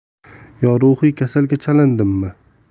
yo ruhiy kasalga chalindimmi